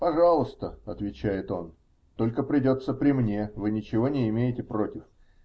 -- Пожалуйста -- отвечает он, -- только придется при мне, вы ничего не имеете против?